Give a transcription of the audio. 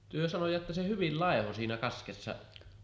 te sanoitte että se hyvin laihosi siinä kaskessa